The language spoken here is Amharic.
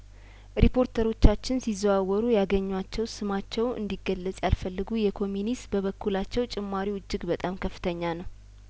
ሪፖርተሮቻችን ሲዘዋወሩ ያገኟቸው ስማቸው እንዲገለጽ ያልፈለጉ የኮሚኒስ በበኩላቸው ጭማሪው እጅግ በጣም ከፍተኛ ነው